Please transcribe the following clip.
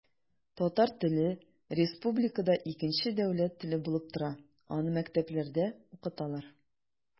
Татар теле республикада икенче дәүләт теле булып тора, аны мәктәпләрдә укыталар.